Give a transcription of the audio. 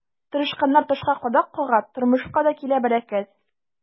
Тырышканнар ташка кадак кага, тормышка да килә бәрәкәт.